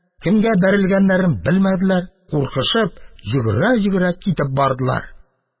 Кемгә бәрелгәннәрен белмәделәр, куркышып, йөгерә-йөгерә китеп бардылар.